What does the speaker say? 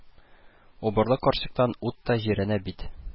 – убырлы карчыктан ут та җирәнә бит